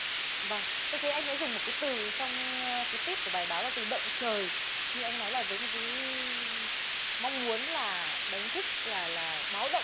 vâng tôi thấy anh đã dùng một cái từ trong cái tít của bài báo là từ động trời như anh nói là với một cái mong muốn là đánh thức là là báo động